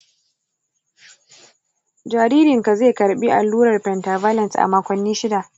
jaririnka zai karɓi allurar pentavalent a makonni shida.